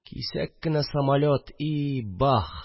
Кисәк кенә самолет – и бах